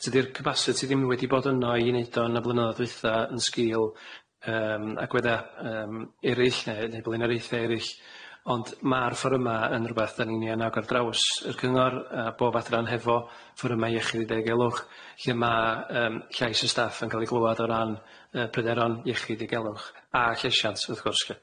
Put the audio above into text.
Tydi'r capacity ddim wedi bod yno i neud o yn y blynyddo'dd dwitha yn sgil yym agwedda yym erill ne' ne' blaenaraethe eryll, ond ma'r fforyma yn rwbath dan ni'n ia'n agor draws yr cyngor a bob adran hefo fforyma iechyd a diogelwch lle ma' yym llais y staff yn ca'l ei glwad o ran yy pryderon iechyd digelwch a llesiant wrth gwrs lly.